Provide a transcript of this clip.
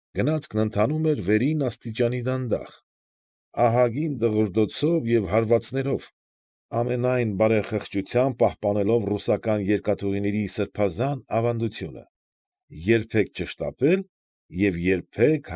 Գնացքն ընթանում էր վերին աստիճանի դանդաղ, ահագին դղրդոցով և հարվածներով, ամենայն բարեխղճությամբ պահպանելով ռուսական երկաթուղիների սրբազան ավանդությունը՝ երբեք չշտապել և երբեք։